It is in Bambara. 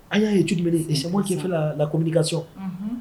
An y'a ye juru sɛkuma k'i fila lakm' ka so